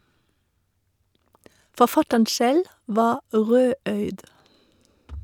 Forfatteren selv var rødøyd.